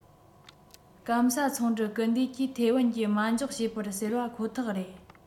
སྐམ ས ཚོང འགྲུལ སྐུལ འདེད ཀྱིས ཐའེ དབན གྱི མ འཇོག བྱས པར ཟེར པ ཁོ ཐག རེད